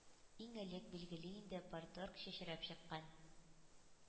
Иң элек, билгеле инде, парторг чәчрәп чыккан.